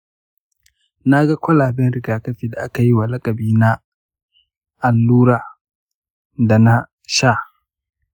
na ga kwalaben rigakafi da aka yi wa lakabin “na allura” da kuma “na sha.”